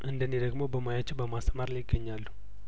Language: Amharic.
እንደኔ ደግሞ በምያቸው በማስተማር ላይ ይገኛሉ